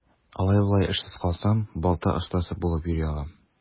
Алай-болай эшсез калсам, балта остасы булып йөри алам.